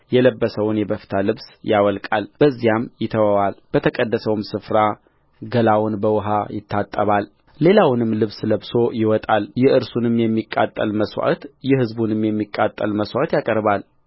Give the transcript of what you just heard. የለበሰውን የበፍታ ልብስ ያወልቃል በዚያም ይተወዋልበተቀደሰውም ስፍራ ገላውን በውኃ ይታጠባል ሌላውንም ልብስ ለብሶ ይወጣል የእርሱንም የሚቃጠል መስዋዕት የሕዝቡንም የሚቃጠል መስዋዕት ያቀርባል